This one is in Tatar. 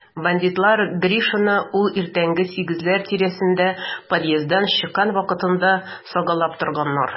Бандитлар Гришинны ул иртәнге сигезләр тирәсендә подъезддан чыккан вакытында сагалап торганнар.